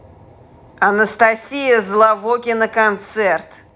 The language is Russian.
анастасия зла вокина концерт